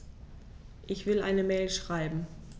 Ich will eine Mail schreiben.